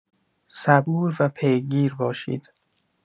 صبور و پیگیر باشید.